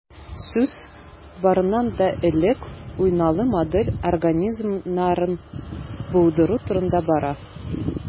Сүз, барыннан да элек, уңайлы модель организмнарын булдыру турында бара.